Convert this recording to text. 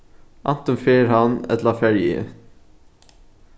antin fer hann ella fari eg